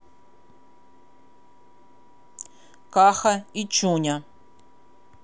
каха и чуня